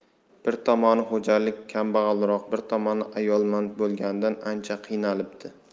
bir tomoni xo'jalik kambag'alroq bir tomoni ayolmand bo'lganidan ancha qiynalibdi